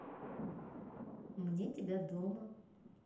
мне тебя дома